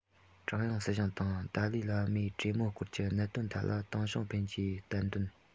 ཀྲུང དབྱང སྲིད གཞུང དང ཏཱ ལའི བླ མས གྲོས མོལ སྐོར གྱི གནད དོན ཐད ལ ཏིན ཞོ ཕིན གྱིས བསྟན དོན